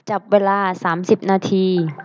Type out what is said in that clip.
จับเวลาสามสิบนาที